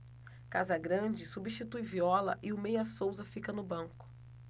casagrande substitui viola e o meia souza fica no banco